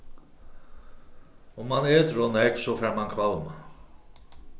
um mann etur ov nógv so fær mann kvalma